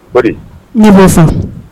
Pa n ma